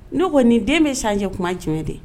N ne kɔni nin den bɛ san cɛ kuma tiɲɛ de